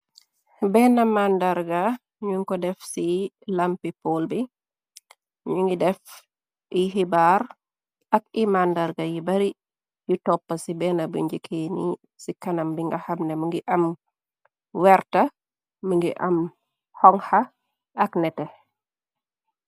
Benne màndarga ñuñ ko def ci lampi pol bi ñu ngi def xibaar ak i-màndarga yi bari yu topp ci benn bu njëkkee ni ci kanam bi nga xamne mi ngi am werta mi ngi am honha ak nete.